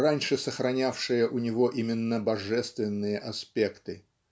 раньше сохранявшая у него именно божественные аспекты.